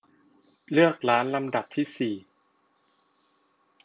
เลือกร้านลำดับที่สี่